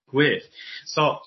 Gwych so